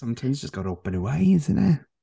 Sometimes you've just got to open your eyes, innit?